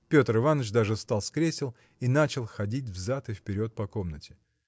Петр Иваныч даже встал с кресел и начал ходить взад и вперед по комнате.